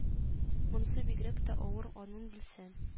Монысы бигрәк тә авыр аның белсәң